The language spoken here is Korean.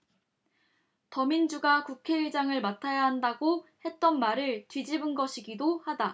더민주가 국회의장을 맡아야 한다고 했던 말을 뒤집은 것이기도 하다